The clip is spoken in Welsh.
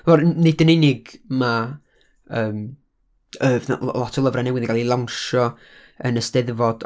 Or- n- nid yn unig ma', yym, yy fydd 'na lot o lyfrau newydd yn gael eu lawnsio yn y Steddfod